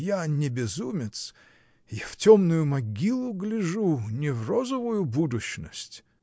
Я не безумец: я в темную могилу гляжу, не в розовую будущность.